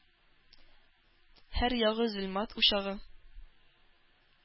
Һәр ягы зөлмат учагы,